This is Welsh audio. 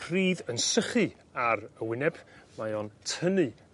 pridd yn sychu ar y wyneb mae o'n tynnu